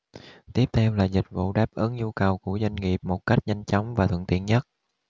tiếp theo là dịch vụ đáp ứng nhu cầu của doanh nghiệp một cách nhanh chóng và thuận tiện nhất